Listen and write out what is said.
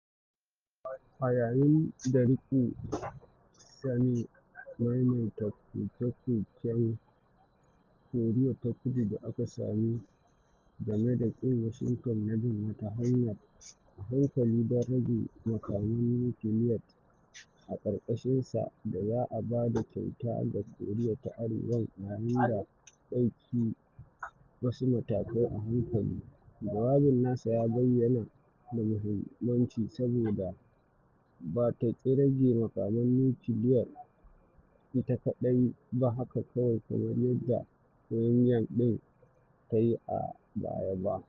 A yayin da Rike same maimaita koke-koken Koriya ta Kudu da aka sani game da ƙin Washington na bin wata hanyar “a hankali” don rage makaman nukiliyat a ƙarƙashinsa da za a ba da kyauta ga Koriya ta Arewan a yayin da ɗauki wasu matakai a hankali, jawabin nasa ya bayyana da muhimmanci saboda ba ta ƙi rage makaman nukiliyar ita kaɗai ba haka kawai kamar yadda Pyongyang ɗin ta yi a baya ba.